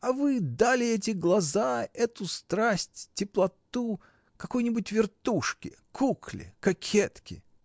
А вы дали эти глаза, эту страсть, теплоту какой-нибудь вертушке, кукле, кокетке!